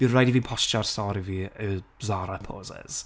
bydd raid i fi postio ar stori fi y Zara poses.